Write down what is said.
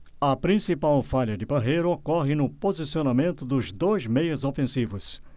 a principal falha de parreira ocorre no posicionamento dos dois meias ofensivos